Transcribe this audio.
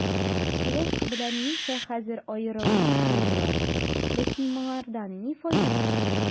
Сережка белән Миша хәзер аерылмас булдылар, ләкин моңардан ни файда?